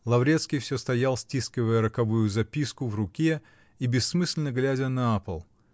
Лаврецкий все стоял, стискивая роковую записку в руке и бессмысленно глядя на пол